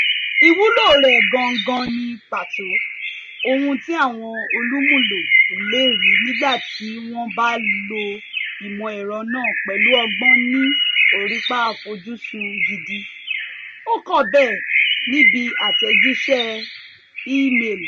Ìwúlò rẹ̀ gangan ni pàtó ohun tí àwọn olùmúlò le rí nígbà tí wọ́n bá lo ìmọ̀ ẹ̀rọ náà pẹ̀lú ọgbọ́n ní orípa àfojúsùn gidi, "ó kọ bẹ́ẹ̀ níbi àtẹ̀jíṣẹ́ e-mail.